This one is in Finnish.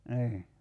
niin